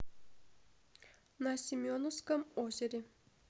на семеновском озере